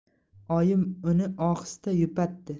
oyim uni ohista yupatdi